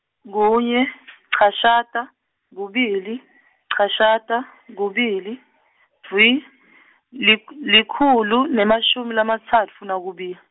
kunye , cashata, kubili , cashata, kubili , dvwi, lik- likhulu, nemashumi lamatsatfu nakubi-.